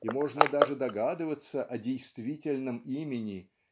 и можно даже догадываться о действительном имени